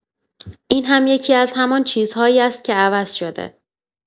این هم یکی‌از همان چیزهایی است که عوض شده.